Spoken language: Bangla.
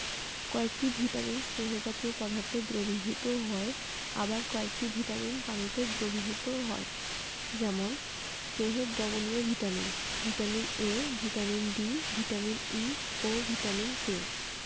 কয়েকটি ভিটামিন স্নেহ জাতীয় পদার্থে দ্রবীভূত হয় আবার কয়েকটি ভিটামিন পানিতে দ্রবীভূত হয় যেমন স্নেহে দ্রবণীয় vitamin vitamin A vitamin D vitamin E ও ভিটামিন K